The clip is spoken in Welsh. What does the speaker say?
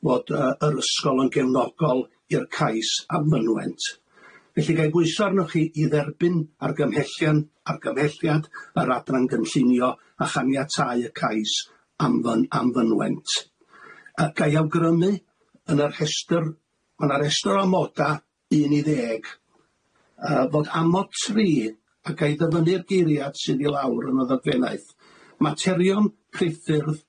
fod yy yr ysgol yn gefnogol i'r cais am fynwent. Felly gai bwyso arnoch chi i dderbyn argymhellion argymhelliad yr adran gynllunio a chaniatáu y cais am fyn- am fynwent yy gai awgrymu yn yr rhestyr ma' na restyr o amoda un i ddeg yy fod amod tri a gai ddyfynnu'r geiriad sydd i lawr yn y ddadfennaeth materion priffyrdd